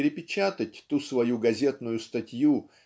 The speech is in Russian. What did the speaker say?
перепечатать ту свою газетную статью